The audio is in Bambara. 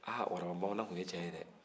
ah warabanbamanan tun ye cɛ ye dɛ